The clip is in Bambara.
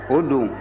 o don